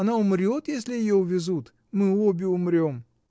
Она умрет, если ее увезут — мы обе умрем.